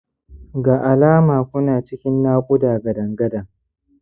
ga alama ku na cikin naƙuda gadan-gadan